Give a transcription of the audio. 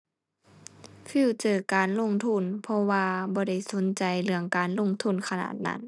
ฟิวเจอร์การลงทุน เพราะว่าบ่ได้สนใจเรื่องการลงทุนขนาดนั้น